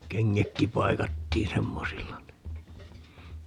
kengätkin paikattiin semmoisilla niin